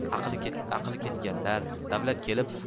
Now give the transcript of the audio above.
davlat kelib